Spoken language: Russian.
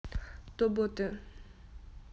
тоботы